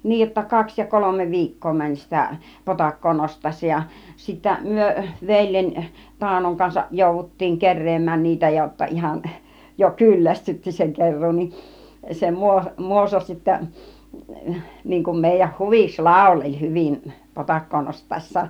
niin jotta kaksi ja kolme viikkoa meni sitä potakkaa nostaessa ja sitten me veljen Taunon kanssa jouduttiin keräämään niitä jotta ihan jo kyllästytti se keruu niin se - Muoso sitten niin kuin meidän huviksi lauleli hyvin potakkaa nostaessaan